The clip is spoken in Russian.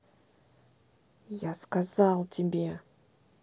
я сказал тебе